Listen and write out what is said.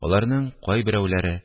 Аларның кайберәүләре